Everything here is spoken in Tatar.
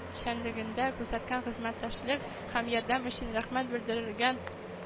Эшчәнлегендә күрсәткән хезмәттәшлек һәм ярдәм өчен рәхмәт белдерелгән